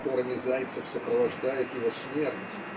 которыми Зайцев сопровождает его смерть